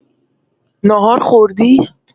ناهار خوردی؟